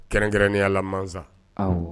Kɛrɛnkɛrɛnnenyala masa